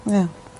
Ia.